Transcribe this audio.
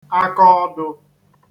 akāọ̄dụ̄